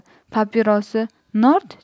papirosi nord